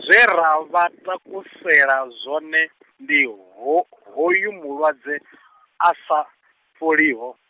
zwe ra vha takusela zwone, ndi ho, hoyu mulwadze, asa, fholiho.